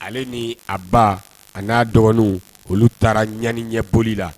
Ale ni a ba a n'a dɔgɔnin olu taara ɲani ɲɛoli la